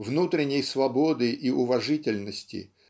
внутренней свободы и уважительности